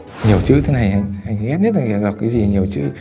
nhiều chữ thế này á anh ghét nhất là đọc đọc cái gì nhiều chữ